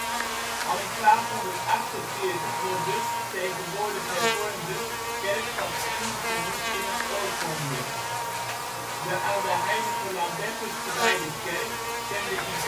Al in 1248 wordt de, tegenwoordig hervormde, kerk, van Ingen genoemd in een oorkonde. De aan de Heilige Lambertus gewijde kerk kende in